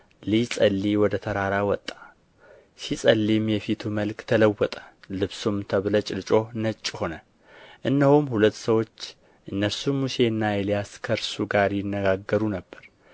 ሊጸልይ ወደ ተራራ ወጣ ሲጸልይም የፊቱ መልክ ተለወጠ ልብሱም ተብለጭልጮ ነጭ ሆነ እነሆም ሁለት ሰዎች እነርሱም ሙሴና ኤልያስ ከእርሱ ጋር ይነጋገሩ ነበር